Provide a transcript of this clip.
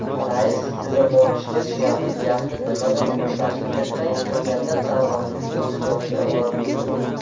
rais lo'labolishga suyanib gapni nimadan boshlashni bilmay turganda davronning o'zi joniga ora kirdi